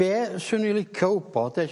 Be' swn i licio wbod 'de...